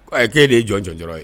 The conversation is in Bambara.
Ko ayi k'e de ye jɔn jɔnjɔrɔ ye